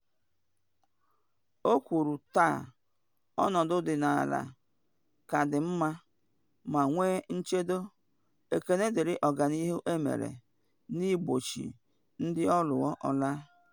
O kwuru “taa ọnọdụ dị n’ala ka dị mma ma nwee nchedo, ekele dịịrị ọganihu emere na igbochi ndị ọlụọ ọlaa,”.